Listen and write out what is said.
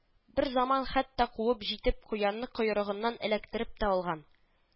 Берзаман хәтта куып җитеп куянны койрыгыннан эләктереп тә алган